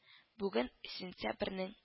Бүген сентябрьнең